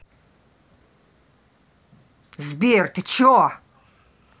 сбер ты че